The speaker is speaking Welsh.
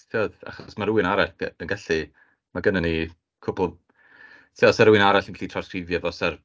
Tibod, achos ma' rywun arall yn gallu... ma' gynna ni cwpl tibod... 'sa rywun arall yn gallu trawsgrifio fo, sa'r...